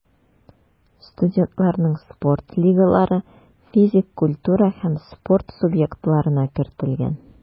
Студентларның спорт лигалары физик культура һәм спорт субъектларына кертелгән.